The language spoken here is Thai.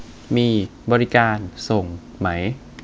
ค่าส่งเท่าไหร่